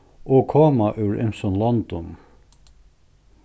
og koma úr ymsum londum